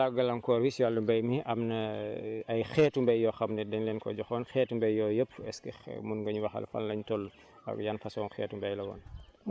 waaw balaa gàllankoor bi si wàllu mbéy mi am na ay xeetu mbéy yoo xam ne dañ leen ko joxoon xeetu mbéy yooyu yëpp est ce que mun nga ñu waxal fan lañ toll ak yan façon xeetu mbéy la woon